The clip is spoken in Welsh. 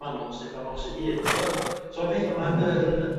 Manon Steffan Ros ei hun t'mod? So y petha 'ma yn